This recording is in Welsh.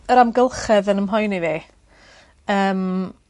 yr amgylchedd yn ym mhoeni fi. Yym.